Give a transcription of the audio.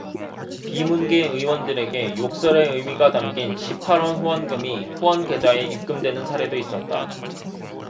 비문계 의원들에게 욕설의 의미가 담긴 십 팔 원 후원금이 후원 계좌에 입금되는 사례도 있었다